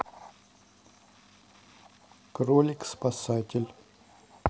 кролик спасатель